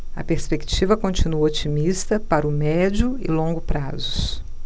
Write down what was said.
a perspectiva continua otimista para o médio e longo prazos